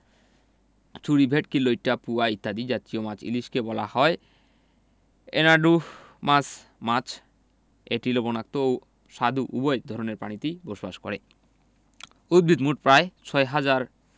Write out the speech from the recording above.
ছুরি ভেটকি লইট্ট পোয়া ইত্যাদি জতীয় মাছ ইলিশকে বলা হয় অ্যানাড্রোমাস মাছ এটি লবণাক্ত ও স্বাদু উভয় ধরনের পানিতেই বসবাস করে উদ্ভিদঃ মোট প্রায় ৬ হাজার